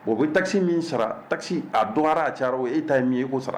O bɛ tasi min sara ta a dɔgɔyara a ca e ta min ye e koo sara